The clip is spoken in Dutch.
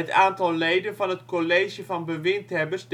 aantal leden van het college van bewindhebbers